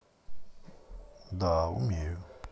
да умею